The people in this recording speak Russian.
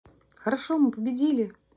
хорошо мы победители